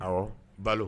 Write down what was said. Ɔwɔ balo